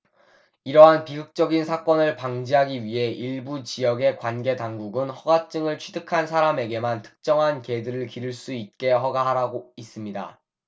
이러한 비극적인 사건을 방지하기 위해 일부 지역의 관계 당국은 허가증을 취득한 사람에게만 특정한 개들을 기를 수 있게 허가하고 있습니다